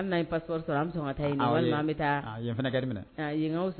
Sɔrɔ fana kɛ minɛ